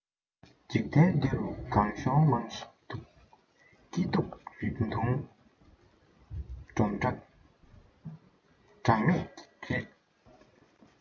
འཇིག རྟེན འདི རུ སྒང གཤོང མང ཞིག འདུག སྐྱིད སྡུག རིང ཐུང སྦོམ ཕྲ གྲངས མེད རེད